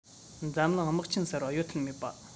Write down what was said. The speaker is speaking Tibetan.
འཛམ གླིང དམག ཆེན གསར པ གཡོལ ཐབས མེད པ